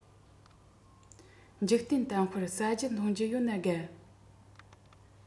འཇིག རྟེན གཏམ དཔེར བཟའ རྒྱུ འཐུང རྒྱུ ཡོད ན དགའ